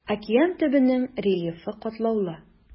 Океан төбенең рельефы катлаулы.